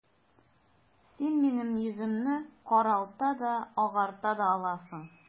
Син минем йөземне каралта да, агарта да аласың...